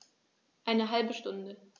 Eine halbe Stunde